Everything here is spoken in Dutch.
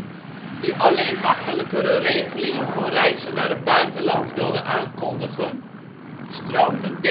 alleen makkelijkere regelingen voor reizen naar het buitenland wilde aankondigen, stroomden